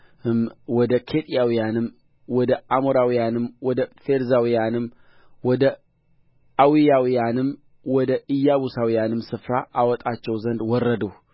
ወደ ኬጢያውያንም ወደ አሞራውያንም ወደ ፌርዛውያንም ወደ ኤዊያውያንም ወደ ኢያቡሳውያንም ስፍራ አወጣቸው ዘንድ ወረድሁ